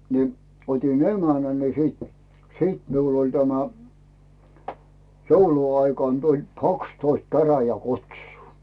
niin otin emännän niin sitten sitten minulla oli tämä jouluaikana tuli kaksitoista käräjäkutsua